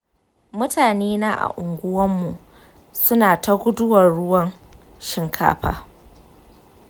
mutanena a unguwanmu sunata gudawan ruwan shinkafa.